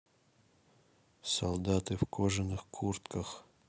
солдаты в кожаных куртках